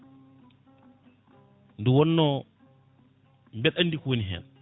nde wonno mbeɗa andi ko woni hen